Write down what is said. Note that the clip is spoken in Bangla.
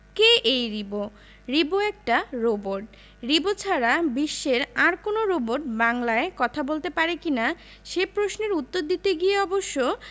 কে এই রিবো রিবো একটা রোবট রিবো ছাড়া বিশ্বের আর কোনো রোবট বাংলায় কথা বলতে পারে কি না সে প্রশ্নের উত্তর দিতে গিয়ে অবশ্য